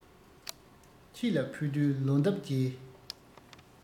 ཁྱེད ལ ཕུལ དུས ལོ འདབ རྒྱས